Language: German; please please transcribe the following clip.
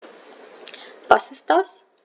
Was ist das?